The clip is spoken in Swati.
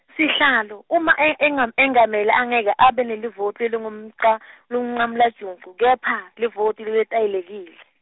sihlalo, uma e- engam- engamele angeke abe nelivoti lelinguca- lelingumncamlajucu kepha, livoti leletayelekile.